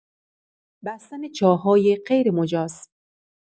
بستن چاه‌های غیرمجاز